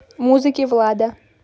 музыки влада